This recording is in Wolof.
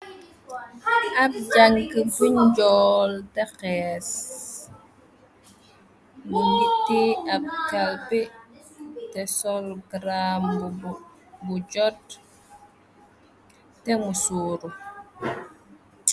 Ab jàng bu njool, te xees, mungi tihe ab kalpe, te sol grambubu bu jot te mu sooru.